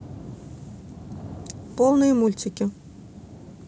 полные мультики